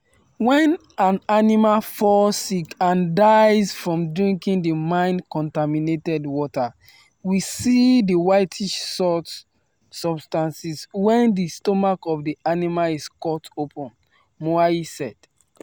“When an animal falls sick and dies from drinking the mine-contaminated water, we see the whitish salt substances when the stomach of the animal is cut open,” Moahi said.